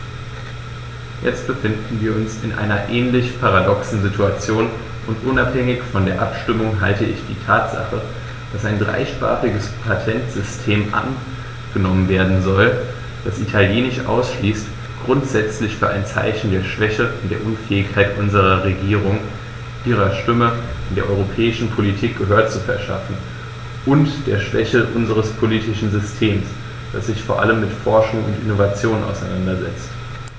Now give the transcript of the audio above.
Jetzt befinden wir uns in einer ähnlich paradoxen Situation, und unabhängig von der Abstimmung halte ich die Tatsache, dass ein dreisprachiges Patentsystem angenommen werden soll, das Italienisch ausschließt, grundsätzlich für ein Zeichen der Schwäche und der Unfähigkeit unserer Regierung, ihrer Stimme in der europäischen Politik Gehör zu verschaffen, und der Schwäche unseres politischen Systems, das sich vor allem mit Forschung und Innovation auseinandersetzt.